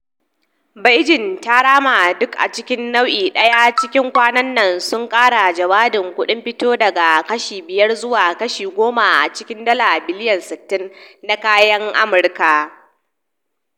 Beijing ta rama duk acikin nau'i daya, cikin kwanan nan sun kara jadawalin kuɗin fito daga kashi biyar zuwa kashi goma a cikin dala biliyan 60 na kayan Amurka.